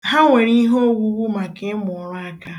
Ha nwere iheowuwu maka ịmụ ọrụaka